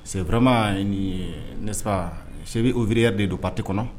Seurama ni nefa se oiririya de don pati kɔnɔ